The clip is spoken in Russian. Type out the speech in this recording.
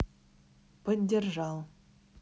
поддержал